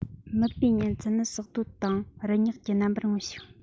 མིད པའི གཉན ཚད ནི ཟགས བརྡོལ དང རུལ མྱགས ཀྱི རྣམ པར མངོན ཞིང